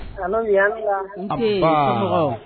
Allô aw ni wula n see somɔgɔw.